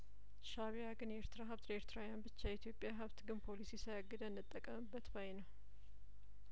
ሻእቢያ ግን የኤርትራ ሀብት ለኤርትራውያን ብቻ የኢትዮጵያን ሀብት ግን ፖሊሲ ሳያግደን እንጠቀምበት ባይነው